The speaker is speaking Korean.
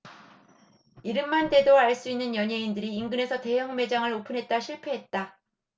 이름만 대도 알 수 있는 연예인들이 인근에서 대형 매장을 오픈했다 실패했다